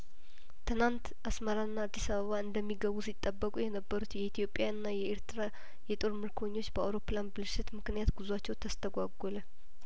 ትናንት አስመራና አዲስ አበባ እንደሚገቡ ሲጠበቁ የነበሩት የኢትዮጵያ ና የኤርትራ የጦር ምርኮኞች በአውሮፕላን ብልሽት ምክንያት ጉዟቸው ተስተጓጐለ